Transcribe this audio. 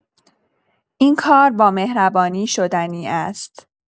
این کار با مهربانی شدنی است.